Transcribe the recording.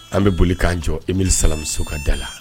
An be boli k'an jɔ Emile Salamso ka da la